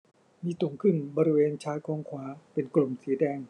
มีตุ่มขึ้นบริเวณชายโครงขวาเป็นกลุ่มสีแดง